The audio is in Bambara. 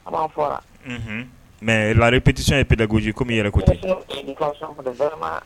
Ama fɔra unhun mais la répétition est pédagogique comme i yɛrɛ ko ten éducation ko de vraiment